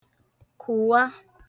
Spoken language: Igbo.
kùwa